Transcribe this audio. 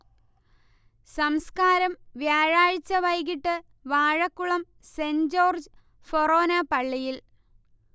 സംസ്കാരം വ്യാഴാഴ്ച വൈകീട്ട് വാഴക്കുളം സൻെറ് ജോർജ് ഫൊറോന പള്ളിയിൽ